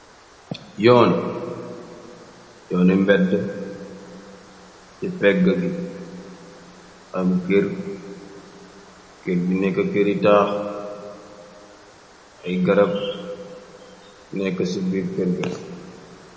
Yoon yooné mbétda ci pégga gi am kër kër bi nekk këri taax ay garab nekk ci biir kërr ga.